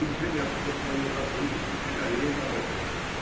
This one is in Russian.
Инженерство свое забыл и не жалеет об этом.